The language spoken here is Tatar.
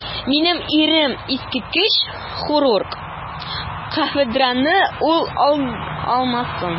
Минем ирем - искиткеч хирург, кафедраны ул алсын.